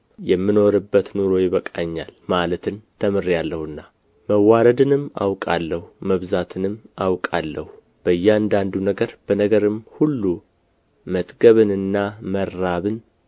የምኖርበት ኑሮ ይበቃኛል ማለትን ተምሬአለሁና መዋረድንም አውቃለሁ መብዛትንም አውቃለሁ በእያንዳንዱ ነገር በነገርም ሁሉ መጥገብንና መራብንም